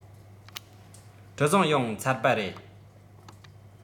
གྲུ གཟིངས ཡོངས ཚར པ རེད